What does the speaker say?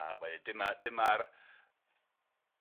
A wedyn dyma dyma'r